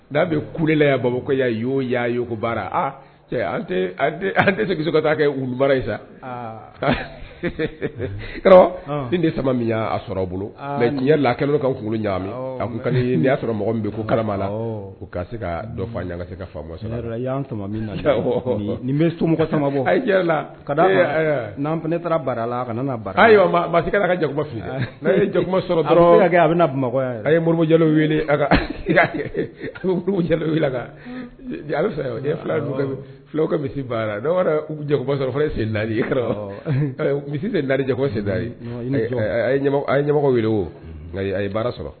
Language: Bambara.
Da bɛ kula yan baba ko ya y yko baara an tɛ se ka taa kɛ bara ye sa den de sama min y a sɔrɔ a bolo mɛ diɲɛ la kɛlen dɔ ka kunkolo a y'a sɔrɔ min bɛ ko kalamala u se ka dɔ ka ka nin bɛ so a la ka n'an ne taara baara la ka ba basi se ka jakumaba ye jakuma sɔrɔ a bɛna bamakɔ a ye mori jalo weele alo fɛkɛ misi baara jagoba sɔrɔ senji e misi sen lajɛkɔ sen a yemɔgɔ weele o nka a ye baara sɔrɔ